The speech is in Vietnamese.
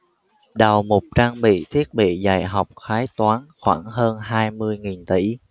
đầu mục trang bị thiết bị dạy học khái toán khoảng hơn hai mươi nghìn tỷ